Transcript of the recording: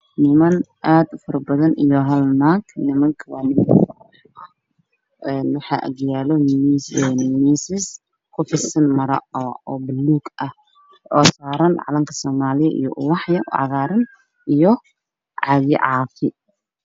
Saxaafadiya niman yaa naag nimanka waxaa gaalo mara buluug ah oo saaran calanka soomaaliyaSaxaafadiya niman yaa naag nimanka waxaa gaalo mara buluug ah oo saaran calanka soomaaliya wax yar oo cagaaran